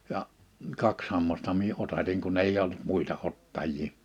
ja kaksi hammasta minä otatin kun ei ollut muita ottajia